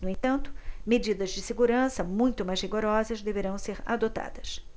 no entanto medidas de segurança muito mais rigorosas deverão ser adotadas